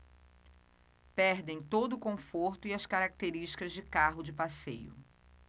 perdem todo o conforto e as características de carro de passeio